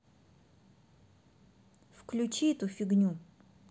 выключи эту фигню